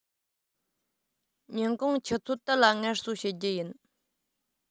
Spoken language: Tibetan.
ཉིན གུང ཆུ ཚོད དུ ལ ངལ གསོ བྱེད རྒྱུ ཡིན